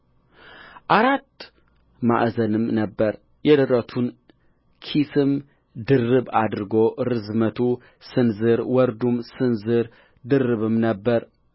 አራት ማዕዘንም ነበረ የደረቱን ኪስም ድርብ አደረጉ ርዝመቱ ስንዝር ወርዱም ስንዝር ድርብም ነበረ